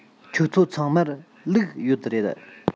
ཁྱོད ཚོ ཚང མར ལུག ཡོད རེད